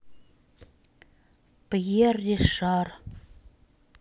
пьер ришар